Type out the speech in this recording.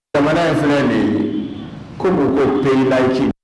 Bamanan in fana de ye ko mun ko pe la c